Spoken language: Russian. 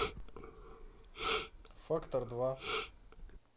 фактор два